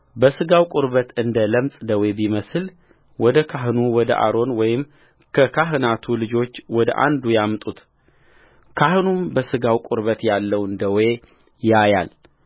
በሥጋው ቁርበት እንደ ለምጽ ደዌ ቢመስል ወደ ካህኑ ወደ አሮን ወይም ከካህናቱ ልጆቹ ወደ አንዱ ያምጡትካህኑም በሥጋው ቁርበት ያለውን ደዌ ያያል